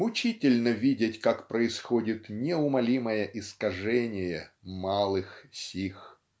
Мучительно видеть, как происходит неумолимое искажение "малых сил".